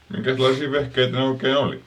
minkäslaisia vehkeitä ne oikein oli